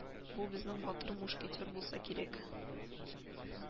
Бу безнең батыр мушкетер булса кирәк